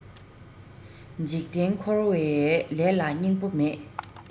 འཇིག རྟེན འཁོར བའི ལས ལ སྙིང པོ མེད